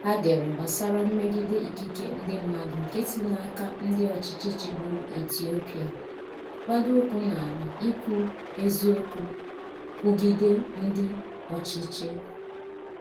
ha dere gbasara mmegide ikike ndị mmadụ nke si n'aka ndị ọchịchị chịburu Ethiopia, gbado ụkwụ n'ala ikwu eziokwu kwugide ndị ọchịchị.